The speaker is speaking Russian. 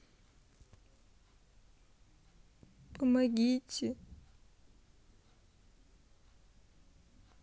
помогите